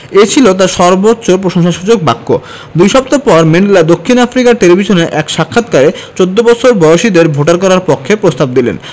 এ ছিল তাঁর সর্বোচ্চ প্রশংসাসূচক বাক্য দুই সপ্তাহ পর ম্যান্ডেলা দক্ষিণ আফ্রিকার টেলিভিশনে এক সাক্ষাৎকারে ১৪ বছর বয়সীদের ভোটার করার পক্ষে প্রস্তাব দিলেন